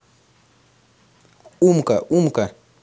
умка умка